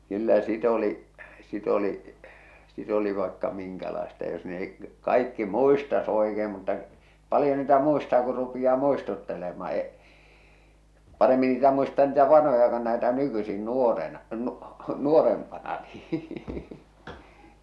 kyllä sitä oli sitten oli sitä oli vaikka minkälaista jos nekin - kaikki muistaisi oikein mutta paljon niitä muistaa kun rupeaa muistuttelemaan - paremmin niitä muistaa niitä vanhoja kuin näitä nykyisin nuorena - nuorempana niin